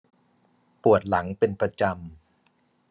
ปวดหลังเป็นประจำ